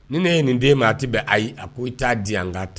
Ni ne ye nin den maa tɛ bɛn ayi ye ko i t'a di yan' ta